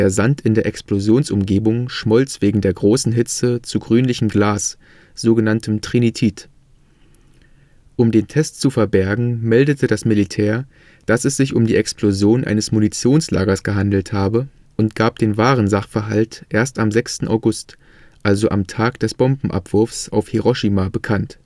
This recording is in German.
Sand in der Explosionsumgebung schmolz wegen der großen Hitze zu grünlichem Glas (Trinitit). Um den Test zu verbergen, meldete das Militär, dass es sich um die Explosion eines Munitionslagers gehandelt habe, und gab den wahren Sachverhalt erst am 6. August, also am Tag des Bombenabwurfs auf Hiroshima, bekannt